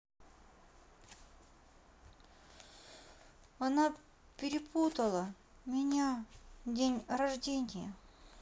она перепутала меня день рождения